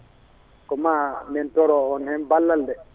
koma min ppro on hen ballal de